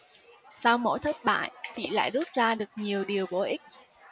sau mỗi thất bại chị lại rút ra được nhiều điều bổ ích